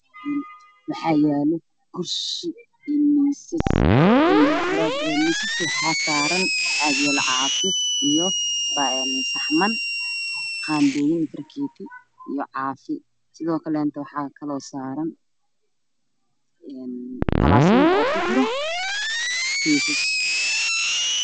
Meeshaan waxaa yaalo kursi iyo miisas misaaska waxaa saran cagag caafi iyo saxamaan sidoo kale waxaa saran qaado